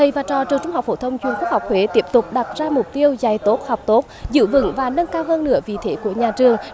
thầy và trò trường trung học phổ thông chuyên quốc học huế tiếp tục đặt ra mục tiêu dạy tốt học tốt giữ vững và nâng cao hơn nữa vị thế của nhà trường